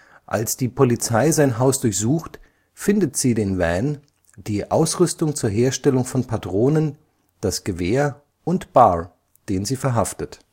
Als die Polizei sein Haus durchsucht, findet sie den Van, die Ausrüstung zur Herstellung von Patronen, das Gewehr und Barr, den sie verhaftet